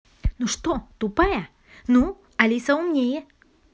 ну что тупая ну алиса умнее